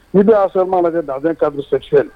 Ni don y'a fɛ ma lajɛ dan kasɛyɛ